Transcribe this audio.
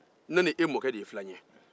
ne ni e mɔkɛ de ye filan ye